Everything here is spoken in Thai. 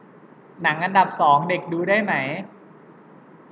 หนังอันดับสองเด็กดูได้ไหม